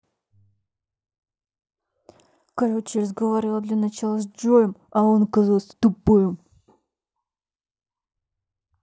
короче я разговаривала для начала с джоем а он оказался тупым